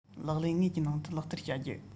ལག ལེན དངོས ཀྱི ནང དུ ལག བསྟར བྱ རྒྱུ